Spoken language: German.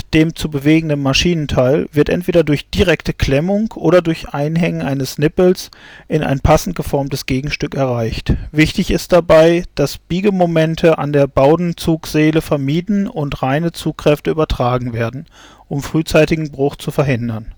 dem zu bewegenden Maschinenteil geschieht entweder durch direkte Klemmung oder durch Einhängen eines Nippels in ein passend geformtes Gegenstück. Wichtig ist dabei, dass Biegemomente an der Bowdenzugseele vermieden und reine Zugkräfte übertragen werden, um frühzeitigen Bruch zu verhindern